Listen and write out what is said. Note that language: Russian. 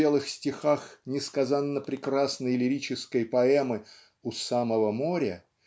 в белых стихах несказанно прекрасной лирической поэмы "У самого моря"